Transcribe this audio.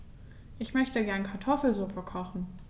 Ich möchte gerne Kartoffelsuppe kochen.